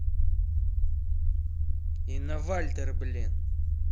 инна вальтер блин